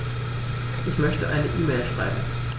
Ich möchte eine E-Mail schreiben.